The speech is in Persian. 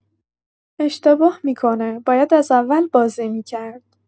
اشتباه می‌کنه، باید از اول بازی می‌کرد.